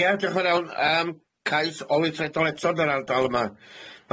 Ia diolch yn iawn yym cais olythredol eto yn yr ardal yma.